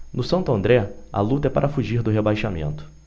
no santo andré a luta é para fugir do rebaixamento